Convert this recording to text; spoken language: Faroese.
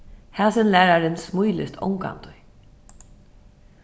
hasin lærarin smílist ongantíð